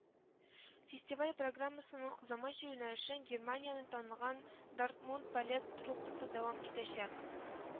Фестиваль программасының заманча юнәлешен Германиянең танылган Дортмунд-балет труппасы дәвам итәчәк